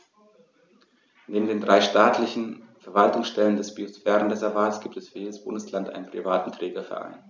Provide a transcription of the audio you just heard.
Neben den drei staatlichen Verwaltungsstellen des Biosphärenreservates gibt es für jedes Bundesland einen privaten Trägerverein.